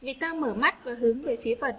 viết các mở mắt hướng về phía